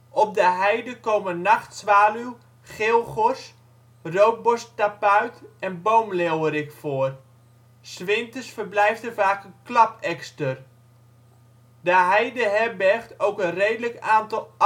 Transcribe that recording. Op de heide komen nachtzwaluw, geelgors, roodborsttapuit en boomleeuwerik voor.’ s Winters verblijft er vaak een klapekster. De heide herbergt ook een redelijk aantal adders